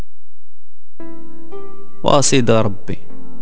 واسيد ربي